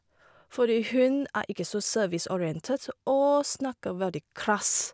Fordi hun er ikke så serviceorientert og snakker veldig krass.